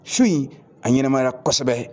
Su in a ɲɛnamaya kosɛbɛ